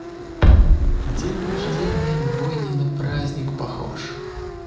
день рождения двойни на праздник похож